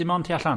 Dim ond tu allan?